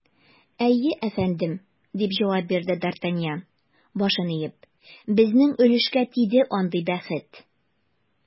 Әйе, әфәндем, - дип җавап бирде д’Артаньян, башын иеп, - безнең өлешкә тиде андый бәхет.